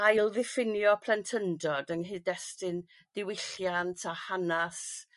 ailddiffinio plentyndod yng nghydestun diwylliant a hanas